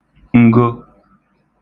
ngo